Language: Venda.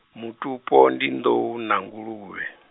mutupo ndi nḓou na nguluvhe.